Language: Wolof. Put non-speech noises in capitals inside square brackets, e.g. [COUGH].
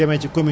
[HESITATION] [HESITATION]